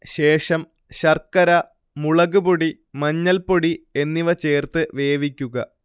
ശേഷം ശർക്കര, മുളക്പൊടി മഞ്ഞൾപ്പൊടി എന്നിവ ചേർത്ത് വേവിക്കുക